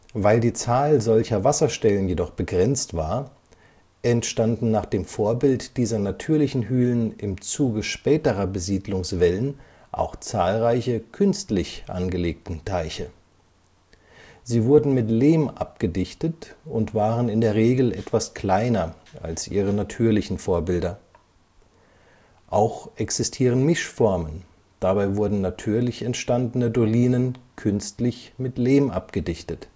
Weil die Zahl solcher Wasserstellen jedoch begrenzt war, entstanden nach dem Vorbild dieser natürlichen Hülen im Zuge späterer Besiedlungswellen auch zahlreiche künstlich angelegte Teiche. Sie wurden mit Lehm abgedichtet und waren in der Regel etwas kleiner als ihre natürlichen Vorbilder. Auch existieren Mischformen, dabei wurden natürlich entstandene Dolinen künstlich mit Lehm abgedichtet